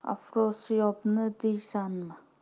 afrosiyobni deysanmi